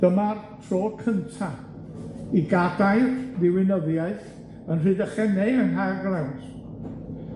dyma'r tro cynta i gadair ddiwinyddiaeth yn Rhyddychen neu yng Nghaergrawnt